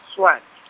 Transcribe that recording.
Swati.